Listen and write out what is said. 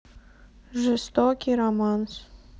жестокий романс